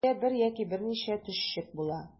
Төштә бер яки берничә төшчек була.